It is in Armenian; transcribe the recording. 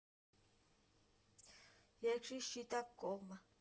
Երկրի շիտակ կողմը։